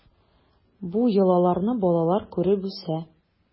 Бу йолаларны балалар күреп үсә.